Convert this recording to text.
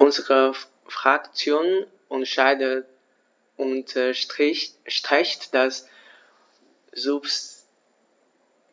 Unsere Fraktion unterstreicht das